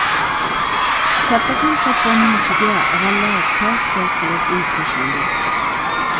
kattakon kopponning ichiga g'alla tog' tog' qilib uyib tashlangan